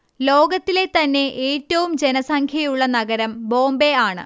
ലോകത്തിലെ തന്നെ ഏറ്റവും ജനസംഖ്യ ഉള്ള നഗരം ബോംബെ ആണ്